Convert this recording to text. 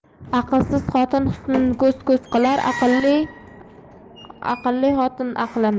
aqlsiz xotin husnini ko'z ko'z qilar aqlli xotin aqlini